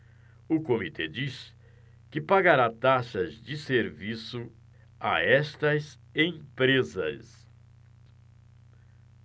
o comitê diz que pagará taxas de serviço a estas empresas